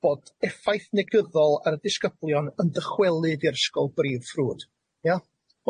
bod effaith negyddol ar y disgyblion yn dychwelyd i'r ysgol brif ffrwd, ia?